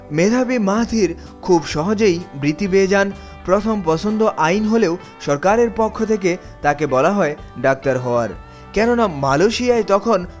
মেধাবী মাহাথির খুব সহজেই বৃত্তি পেয়ে যান প্রথম পছন্দ আইন হলেও সরকারের পক্ষ থেকে তাকে বলা হয় ডাক্তার হওয়ার কেননা মালয়েশিয়ায় তখন